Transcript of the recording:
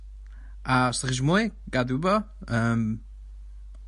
...a os 'dach chi isio mwy gad fi wbo yym